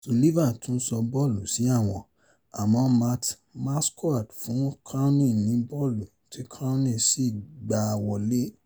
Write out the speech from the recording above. Sulivan tún sọ bọ́ọ̀lù sí àwọ̀n, àmọ́ Matt Marquardt fún Crownie ni bọ́ọ̀lù, tí Crownie sì gba wọlé.